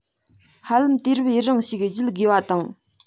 ཧ ལམ དུས སྐབས ཡུན རིང ཞིག བརྒྱུད དགོས པ དང